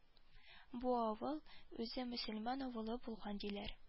Бу авыл үзе мөселман авылы булган диләр